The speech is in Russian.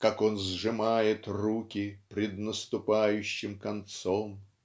как он сжимает руки Пред наступающим концом.